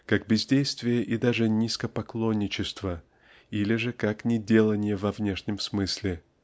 как бездействие и даже низкопоклонничество или же как неделание во внешнем смысле